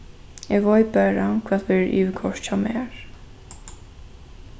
eg veit bara hvat verður yvirkoyrt hjá mær